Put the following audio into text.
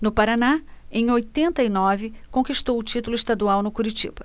no paraná em oitenta e nove conquistou o título estadual no curitiba